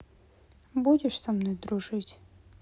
будешь со мной дружить